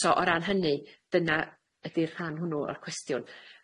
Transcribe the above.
So o ran hynny dyna ydi'r rhan hwnnw o'r cwestiwn.